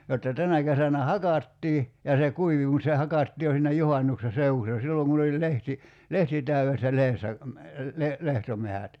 jotta tänä kesänä hakattiin ja se kuivui mutta se hakattiin jo siinä juhannuksen seudussa silloin kun oli lehti lehti täydessä lehdessä - lehtometsät